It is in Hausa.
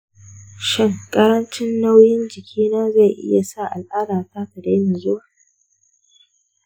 shin ƙarancin nauyin jikina zai iya sa al’adata ta daina zuwa?